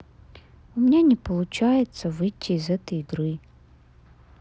у меня не получается выйти из игры